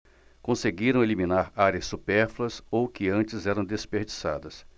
conseguiram eliminar áreas supérfluas ou que antes eram desperdiçadas